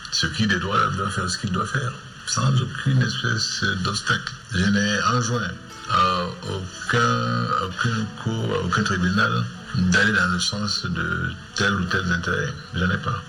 Ki de dɔw dɔfɛ sigi dɔ fɛ dɔta yen anson ɔ ka ko kɛlen tobi na n da tɛ u tɛ n tɛ ye mi ne pan